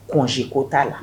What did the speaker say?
Kosi ko t'a la